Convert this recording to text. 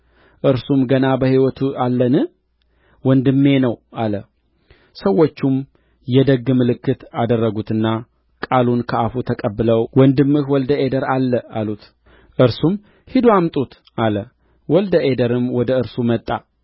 እርሱም ገና በሕይወቱ አለን ወንድሜ ነው አለ ሰዎቹም የደግ ምልክት አደረጉትና ቃሉን ከአፉ ተቀብለው ወንድምህ ወልደ አዴር አለ አሉት እርሱም ሂዱ አምጡት አለ ወልደ አዴርም ወደ እርሱ ወጣ